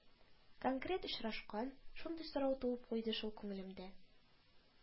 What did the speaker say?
Конкрет очрашкан, шундый сорау туып куйды шул күңелемдә